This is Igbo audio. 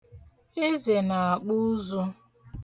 Eze na-akpụ ụzụ.